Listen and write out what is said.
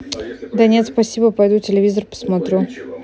да нет спасибо пойду телевизор посмотрю